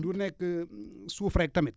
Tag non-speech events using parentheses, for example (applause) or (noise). du nekk (hesitation) suuf rek tamit